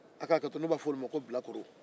a' ka hakɛ to ne b'a fɔ olu de ko bilakoro